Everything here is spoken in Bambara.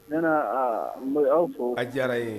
N aa n aw fɔ a diyara ye